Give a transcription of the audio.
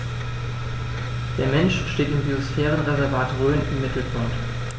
Der Mensch steht im Biosphärenreservat Rhön im Mittelpunkt.